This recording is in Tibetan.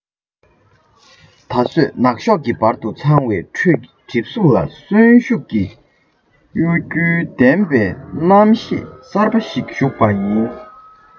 ད བཟོད སྣག ཤོག གི བར དུ འཚང བའི ཁྱོད ཀྱི གྲིབ གཟུགས ལ གསོན ཤུགས ཀྱི གཡོ འགུལ ལྡན པའི རྣམ ཤེས གསར པ ཞིག ཞུགས པ ཡིན